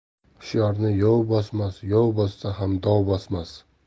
hushyorni yov bosmas yov bossa ham dov bosmas